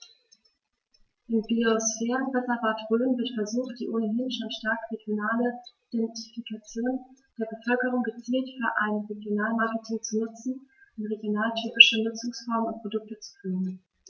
Im Biosphärenreservat Rhön wird versucht, die ohnehin schon starke regionale Identifikation der Bevölkerung gezielt für ein Regionalmarketing zu nutzen und regionaltypische Nutzungsformen und Produkte zu fördern.